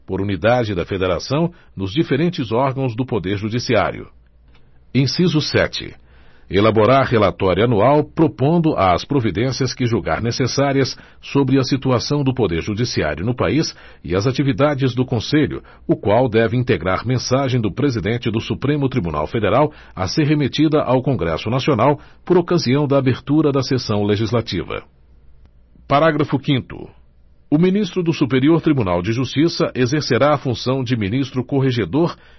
por unidade da federação nos diferentes órgãos do poder judiciário inciso sete elaborar relatório anual propondo as providências que julgar necessárias sobre a situação do poder judiciário no país e as atividades do conselho o qual deve integrar mensagem do presidente do supremo tribunal federal a ser remetida ao congresso nacional por ocasião da abertura da sessão legislativa parágrafo quinto o ministro do superior tribunal de justiça exercerá a função de ministro corregedor